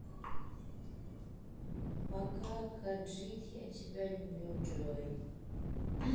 пока каджит я тебя люблю джой